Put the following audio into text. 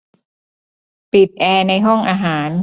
ปิดแอร์ในห้องอาหาร